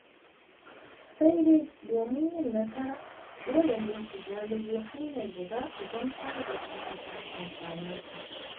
Sai dai domin yin nasara, dole ne su lalubo hanyar da za su gamsar da 'yan ƙasa amfaninsu.